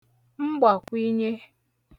mgbakwinye